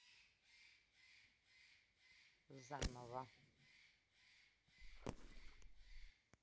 заново